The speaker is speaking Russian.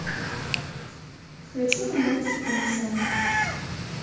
включи мне новости коммерсанта